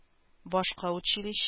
Башка училище